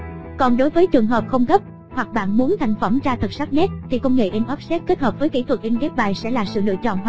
còn đối với trường hợp không gấp hoặc bạn muốn thành phẩm ra thật sắc nét thì công nghệ in offset kết hợp với kỹ thuật in ghép bài sẽ là sự lựa chọn hoàn hảo